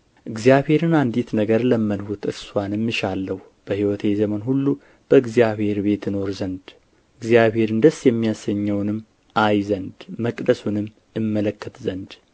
እግዚአብሔርን አንዲት ነገር ለመንሁት እርስዋንም እሻለሁ በሕይወቴ ዘመን ሁሉ በእግዚአብሔር ቤት እኖር ዘንድ እግዚአብሔርን ደስ የሚያሰኘውንም አይ ዘንድ መቅደሱንም እመለከት ዘንድ